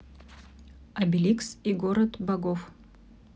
обеликс и город богов